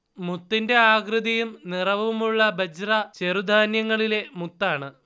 മുത്തിന്റെ ആകൃതിയും നിറവുമുള്ള ബജ്റ ചെറുധാന്യങ്ങളിലെ മുത്താണ്